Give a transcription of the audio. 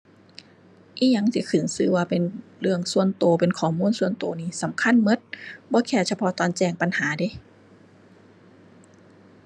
อิหยังที่ขึ้นชื่อว่าเป็นเรื่องส่วนชื่อ เป็นข้อมูลส่วนชื่อนี่สำคัญชื่อ บ่แค่เฉพาะตอนแจ้งปัญหาเดะ